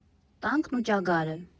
Տանկն ու ճագարը։